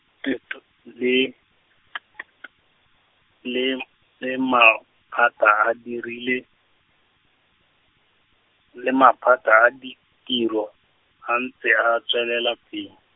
T T le, T T T le , le maphata a dirile, le maphata a ditiro, a ntse a tswelela pelo.